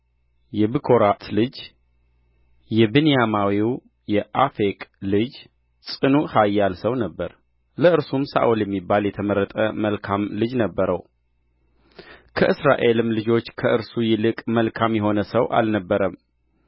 የብኮራት ልጅ የብንያማዊው የአፌቅ ልጅ ጽኑዕ ኃያል ሰው ነበረ ለእርሱም ሳኦል የሚባል የተመረጠ መልካም ልጅ ነበረው ከእስራኤልም ልጆች ከእርሱ ይልቅ መልካም የሆነ ሰው አልነበረም